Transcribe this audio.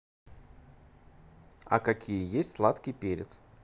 а какие есть сладкий перец